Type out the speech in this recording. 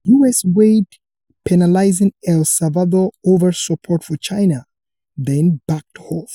U.S. Weighed Penalizing El Salvador Over Support for China, Then Backed Off